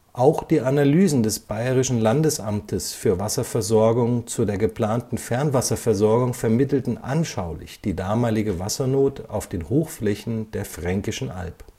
Auch die Analysen des Bayerischen Landesamtes für Wasserversorgung zu der geplanten Fernwasserversorgung vermittelten anschaulich die damalige Wassernot auf den Hochflächen der Fränkischen Alb